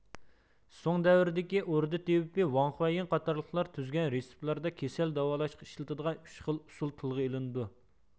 سۇڭ دەۋرىدىكى ئوردا تېۋىپى ۋاڭخۇەييىن قاتارلىقلار تۈزگەن رېتسېپلاردا كېسەل داۋالاشقا ئىشلىتىلىدىغان ئۈچ خىل ئۇسۇل تىلغا ئېلىندۇ